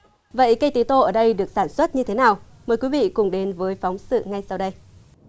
vậy cây tía tô ở đây được sản xuất như thế nào mời quý vị cùng đến với phóng sự ngay sau đây